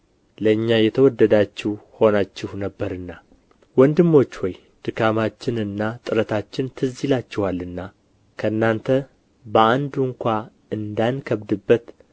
ለእኛ የተወደዳችሁ ሆናችሁ ነበርና ወንድሞች ሆይ ድካማችንና ጥረታችን ትዝ ይላችኋልና ከእናንተ በአንዱ ስንኳ እንዳንከብድበት